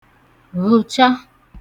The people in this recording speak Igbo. vhụ̀cha